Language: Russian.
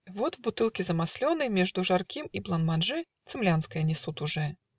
Да вот в бутылке засмоленной, Между жарким и блан-манже, Цимлянское несут уже